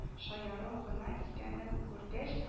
Шаяру гына икәнен күргәч